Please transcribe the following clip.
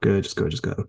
Gorgeous, gorgeous girl.